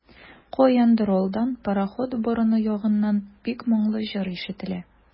Каяндыр алдан, пароход борыны ягыннан, бик моңлы җыр ишетелә.